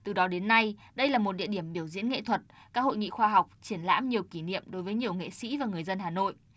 từ đó đến nay đây là một địa điểm biểu diễn nghệ thuật các hội nghị khoa học triển lãm nhiều kỷ niệm đối với nhiều nghệ sĩ và người dân hà nội